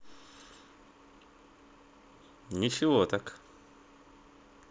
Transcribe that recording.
ничего так